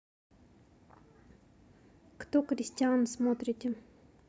кто кристиан смотрите